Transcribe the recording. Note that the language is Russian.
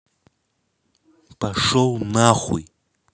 пашол нахуй